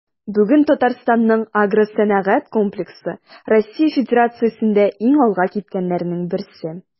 Бүген Татарстанның агросәнәгать комплексы Россия Федерациясендә иң алга киткәннәрнең берсе.